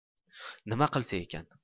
nima qilsa ekan